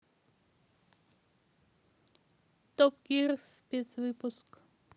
топ гир спецвыпуск